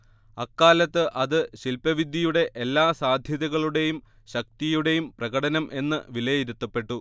അക്കാലത്ത് അത് ശില്പവിദ്യയുടെ എല്ലാ സാധ്യതകളുടേയും ശക്തിയുടേയും പ്രകടനം എന്ന് വിലയിരുത്തപ്പെട്ടു